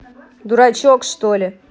дурачок что ли